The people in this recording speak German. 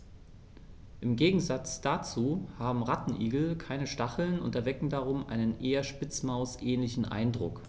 Im Gegensatz dazu haben Rattenigel keine Stacheln und erwecken darum einen eher Spitzmaus-ähnlichen Eindruck.